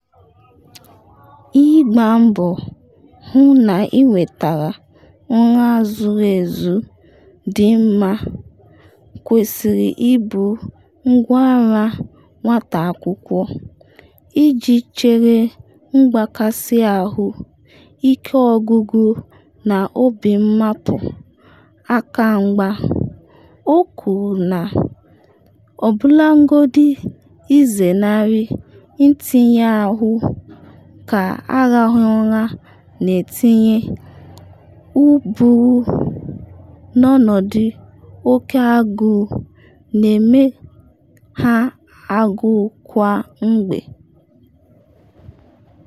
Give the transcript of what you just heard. Ịgba mbọ hụ na inwetara ụra zuru ezu, dị mma, kwesịrị ịbụ ngwa agha nwata akwụkwọ’ iji chere mgbakasị ahụ, ike ọgwụgwụ na obi mmapụ aka mgba, o kwuru - ọbụlagodi izenari ntinye ahụ, ka arahụghị ụra na-etinye ụbụrụ n’ọnọdụ oke agụụ, na-eme ha agụụ kwa mgbe.